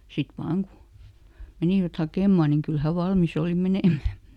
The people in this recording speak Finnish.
sitten vain kun menivät hakemaan niin kyllä hän valmis oli menemään